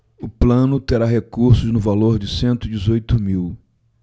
o plano terá recursos no valor de cento e dezoito mil